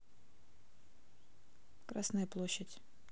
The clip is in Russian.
красная площадь